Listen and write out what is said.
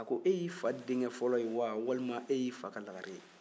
a ko e y'i fa denkɛ fɔlɔ ye waa walima e y'i fa ka lagare ye